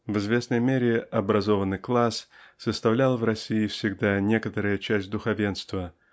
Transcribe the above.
В известной мере "образованный класс" составляла в России всегда некоторая часть духовенства